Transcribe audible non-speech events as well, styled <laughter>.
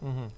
<hesitation> <hesitation>